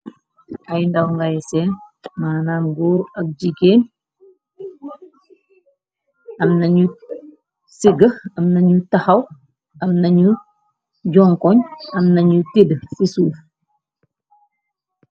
ay ndaw ngay seen maanaam ngóoru ak jigéen am nañu sigax am nañu taxaw am nañu jonkoñ am nañu tidd ci suuf